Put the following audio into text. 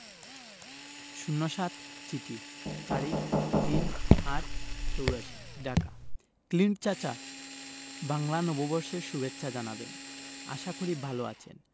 ০৭ চিঠি তারিখ ৩-৮-৮৪ ঢাকা ক্লিন্ট চাচা বাংলা নববর্ষের সুভেচ্ছা জানাবেন আশা করি ভালো আছেন